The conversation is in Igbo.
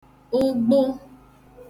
ụgbụ